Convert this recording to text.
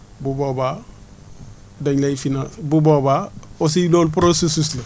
bu boobaa dañ lay financé bu boobaa aussi loolu processus la